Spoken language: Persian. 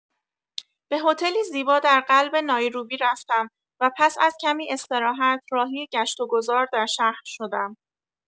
به هتلی زیبا در قلب نایروبی رفتم و پس از کمی استراحت، راهی گشت و گذار در شهر شدم.